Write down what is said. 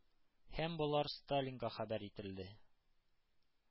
Һәм болар сталинга хәбәр ителде.